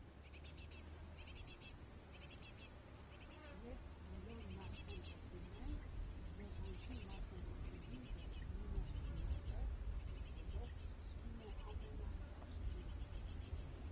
Երբ բոլորն արդեն տեղում են, զբոսանքի մասնակիցներին ողջունում է հեղինակը, իսկ հետո սկսվում է ամենահետաքրքիրը։